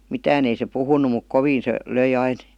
mitään ei se puhunut mutta kovin se löi aina